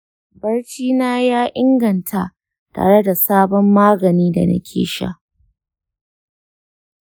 barci nа ya inganta tare da sabon magani da nake sha.